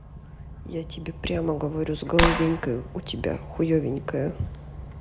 я тебе прямо говорю с головенкой у тебя хуевенькая